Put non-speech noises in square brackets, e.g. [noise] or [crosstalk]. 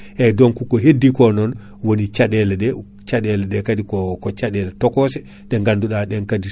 [breath] hankkandi [hesitation] walo jida e jeeri sinno ko jeeri biya kam janjjere yawti aɗa fada toɓo wonngo kaadi pour gawa